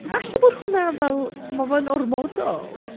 Falle bod hwnna fel, ma' fe'n ormodol.